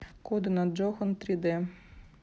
коды на john три д